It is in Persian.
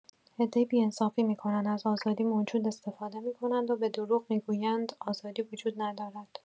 عده‌ای بی‌انصافی می‌کنند، از آزادی موجود استفاده می‌کنند و به دروغ می‌گویند آزادی وجود ندارد.